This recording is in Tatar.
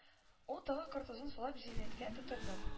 Ул тагы картузын салып җилләнергә тотынды